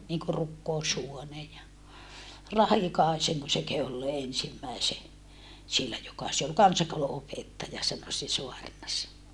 niin kuin rukoushuone ja Rahikaisenko se kehui olleen ensimmäisen siellä joka se oli kansakoulunopettaja sanoi se saarnasi